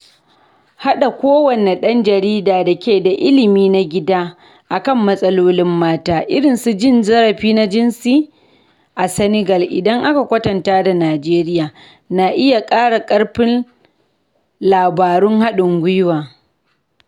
Haɗa kowanne ɗan jarida da ke da ilimi na gida kan matsalolin mata – irin su cin zarafi na jinsi a Senegal idan aka kwatanta da Najeriya – na iya ƙara ƙarfin labarun haɗin gwiwa.